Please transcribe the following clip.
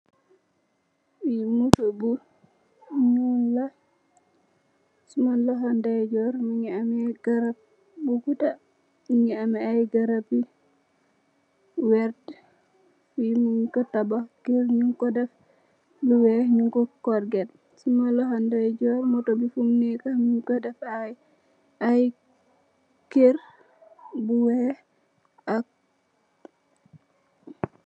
Lee motor bu nuul la suma lohou ndeyjorr muge ameh garab bu gouda muge ameh aye garab yu werte fe nugku tabax kerr nugku def lu weex nugku corget suma lohou ndeyjorr motor be fum neka nugku def aye aye kerr bu weex ak.